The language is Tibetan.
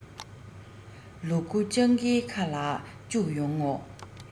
ལུ གུ སྤྱང ཀིའི ཁ ལ བཅུག ཡོང ངོ